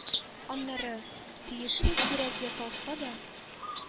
Аннары... тиешле сурәт ясалса да,